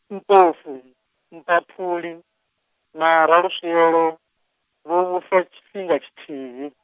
Mpofu, Mphaphuli, na Raluswielo vho vhusa tshifhinga tshithihi.